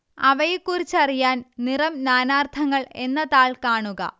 അവയെക്കുറിച്ചറിയാൻ നിറം നാനാർത്ഥങ്ങൾ എന്ന താൾ കാണുക